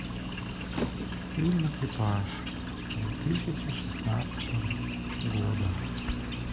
фильм экипаж две тысячи шестнадцатого года